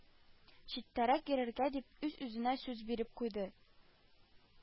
Читтәрәк йөрергә дип, үз-үзенә сүз биреп куйды